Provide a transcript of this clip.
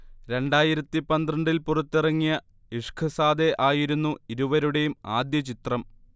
രണ്ടായിരത്തിപന്ത്രണ്ടിൽ പുറത്തിറങ്ങിയ ഇഷ്ഖ്സാദെ ആയിരുന്നു ഇരുവരുടെയും ആദ്യ ചിത്രം